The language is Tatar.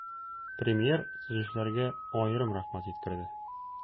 Премьер төзүчеләргә аерым рәхмәт җиткерде.